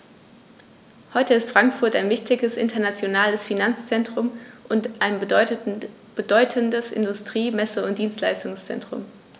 Heute ist Frankfurt ein wichtiges, internationales Finanzzentrum und ein bedeutendes Industrie-, Messe- und Dienstleistungszentrum.